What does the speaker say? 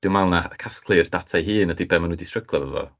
Dwi'n meddwl na casglu'r data ei hun ydy be ma' nhw 'di stryglo efo fo.